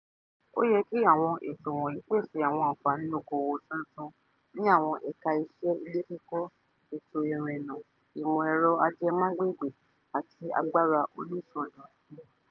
Ó yẹ kí àwọn ètò wọ̀nyìí pèsè àwọn àǹfààní òkòwò tuntun ní àwọn ẹ̀ka-iṣẹ́ ilé-kíkọ́, ètò ìrìnnà, ìmọ̀-ẹ̀rọ ajẹmágbègbè, àti agbára onísọdọ̀tun.